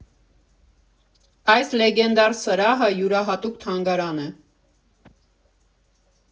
Այս լեգենդար սրահը յուրահատուկ թանգարան է.